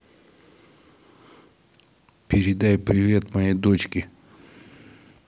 передай привет моей дочке